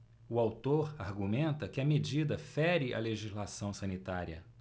o autor argumenta que a medida fere a legislação sanitária